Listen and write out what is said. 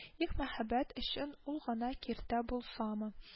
Их, мәхәббәт өчен ул гына киртә булсамы…